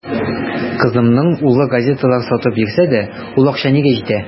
Кызымның улы газеталар сатып йөрсә дә, ул акча нигә җитә.